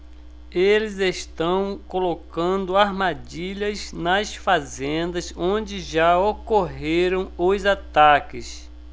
eles estão colocando armadilhas nas fazendas onde já ocorreram os ataques